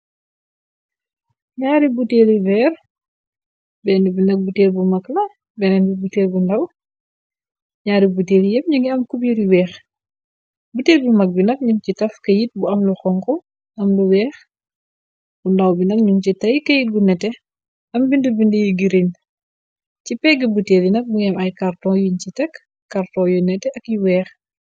naari buteeli weer benn bi nag buteer bu mag la benneen bi buteer bu ndaw naari buteeli yépp ñu ngi am kubyiryi weex buteer bi mag bi nax ñum ci taf keyit bu am lu xonxo am lu weex bu ndaw bi nag ñum ci tay key gu nete am bind bind yi girin ci pegg buteel yinag bu ngém ay karton yuñ ci tekk karton yu nete ak yu weex